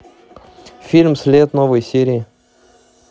фильм след новые серии